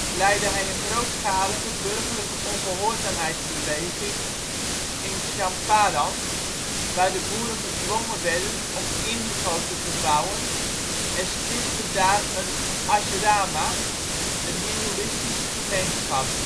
leidde hij een grootschalige burgerlijke ongehoorzaamheidsbeweging in Champaran waar de boeren gedwongen werden om indigo te verbouwen en stichtte daar een ashrama (hindoeïstische gemeenschap